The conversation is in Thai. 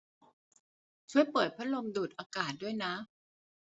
ช่วยเปิดพัดลมดูดอากาศด้วยนะ